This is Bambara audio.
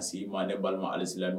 A si ma ale balima alisi